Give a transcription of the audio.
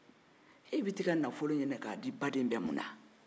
i b' t'i ka nafolo ɲini k'a di baden bɛɛ ma munna